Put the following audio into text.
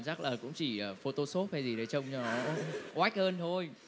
chắc là cũng chỉ phô tô xốp hay gì đấy trông cho nó oách hơn thôi